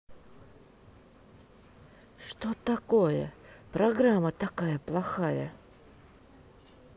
что такое программа такая плохая